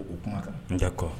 O kuma kan, d'accord